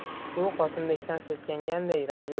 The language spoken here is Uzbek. u qosimbekdan seskanganday rangi